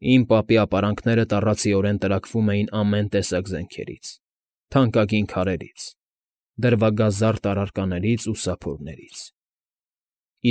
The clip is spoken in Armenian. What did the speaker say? Իմ պապի ապարանքները տառացիորեն տրաքվում էին ամեն տեսակ զենքերից, թանկագին քարերից, դրվագազարդ առարկաներից ու սափորներից։